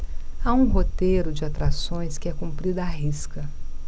há um roteiro de atrações que é cumprido à risca